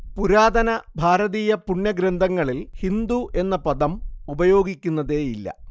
പുരാതന ഭാരതീയ പുണ്യഗ്രന്ഥങ്ങളിൽ ഹിന്ദു എന്ന പദം ഉപയോഗിക്കുന്നതേയില്ല